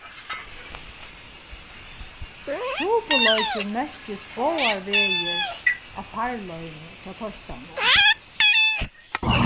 trupulleikin merkist báðar vegir á farleiðini hjá teistanum